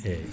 eyyi